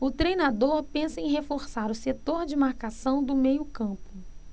o treinador pensa em reforçar o setor de marcação do meio campo